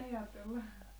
ajatella